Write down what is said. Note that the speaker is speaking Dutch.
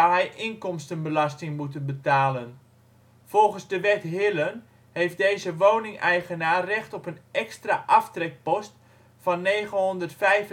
hij inkomstenbelasting moeten betalen. Volgens de Wet Hillen heeft deze woningeigenaar recht op een extra aftrekpost van € 975 (2475